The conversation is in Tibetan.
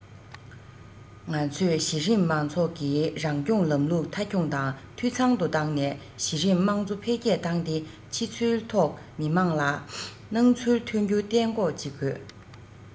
ང ཚོས གཞི རིམ མང ཚོགས ཀྱི རང སྐྱོང ལམ ལུགས མཐའ འཁྱོངས དང འཐུས ཚང དུ བཏང ནས གཞི རིམ དམངས གཙོ འཕེལ རྒྱས བཏང སྟེ ཕྱི ཚུལ ཐོག མི དམངས ལ སྣང ཚུལ ཐོན རྒྱུ གཏན འགོག བྱེད དགོས